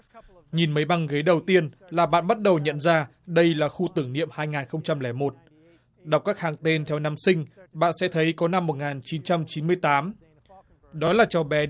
nhìn mấy băng ghế đầu tiên là bạn bắt đầu nhận ra đây là khu tưởng niệm hai ngàn không trăm lẻ một đọc các hàng tên theo năm sinh bạn sẽ thấy có năm một ngàn chín trăm chín mươi tám đó là cháu bé